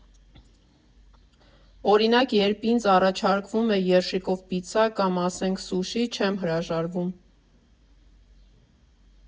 Օրինակ, երբ ինձ առաջարկվում է երշիկով պիցցա կամ ասենք՝ սուշի, չեմ հրաժարվում։